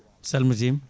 salmitima